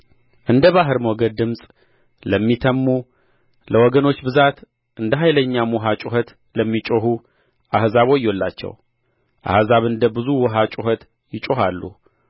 እንደ ባሕር ሞገድ ድምፅ ለሚተምሙ ለወገኖች ብዛት እንደ ኃይለኛም ውኃ ጩኸት ለሚጮኹ አሕዛብ ወዮላቸው አሕዛብ እንደ ብዙ ውኃ ጩኸት ይጮኻሉ